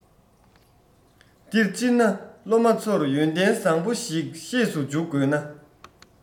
འདི སྤྱིར ན སློབ མ ཚོར ཡོན ཏན བཟང བོ ཞིག ཤེས སུ འཇུག དགོས ན